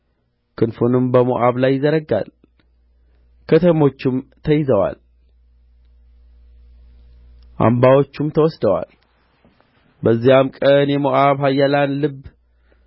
ክንፉንም በሞዓብ ላይ ይዘረጋል ከተሞቹ ተይዘዋል አምባዎቹም ተወስደዋል በዚያም ቀን የሞዓብ ኃያላን ልብ